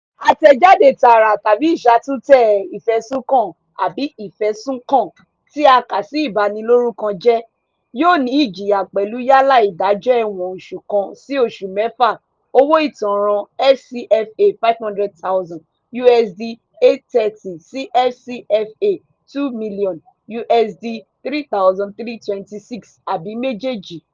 Àtẹ̀jáde tààrà tàbí ìṣàtúntẹ̀ ìfẹ̀sùnkàn àbí ìfẹ̀sùnkàn tí a kà sí ìbanilórúkọjẹ́, yóò ní ìjìyà pẹ̀lú yálà ìdájọ́ ẹ̀wọ̀n oṣù kan (01) sí oṣù mẹ́fà (06), owó ìtanràn FCFA 500,000 (USD 830) sí FCFA 2,000,000 (USD 3,326), àbí méjéèjì.